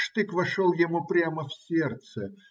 Штык вошел ему прямо в сердце.